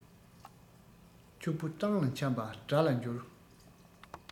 ཕྱུག པོ སྤྲང ལ འཁྱམས པ དགྲ ལ འགྱུར